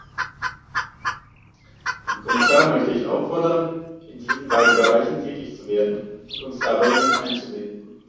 Den Kommissar möchte ich auffordern, in diesen beiden Bereichen tätig zu werden und uns dabei mit einzubinden.